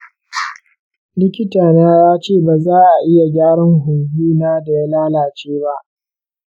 likita na yace ba za'a iya gyara huhuna da ya lalace ba.